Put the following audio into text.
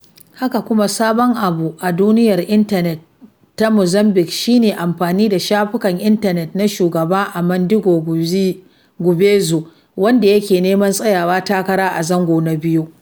Haka kuma, sabon abu a duniyar intanet ta Muzambic shi ne amfani da shafukan intanet na Shugaba Armando Guebuza, wanda yake neman tsayawa takara a zango na biyu.